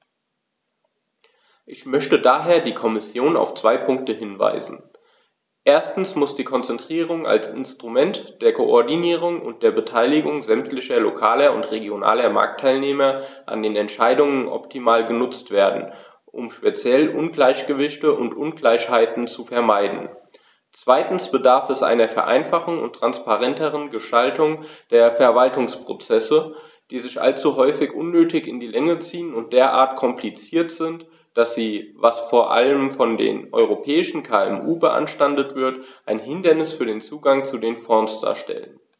Ich möchte daher die Kommission auf zwei Punkte hinweisen: Erstens muss die Konzertierung als Instrument der Koordinierung und der Beteiligung sämtlicher lokaler und regionaler Marktteilnehmer an den Entscheidungen optimal genutzt werden, um speziell Ungleichgewichte und Ungleichheiten zu vermeiden; zweitens bedarf es einer Vereinfachung und transparenteren Gestaltung der Verwaltungsprozesse, die sich allzu häufig unnötig in die Länge ziehen und derart kompliziert sind, dass sie, was vor allem von den europäischen KMU beanstandet wird, ein Hindernis für den Zugang zu den Fonds darstellen.